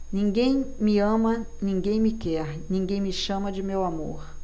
ninguém me ama ninguém me quer ninguém me chama de meu amor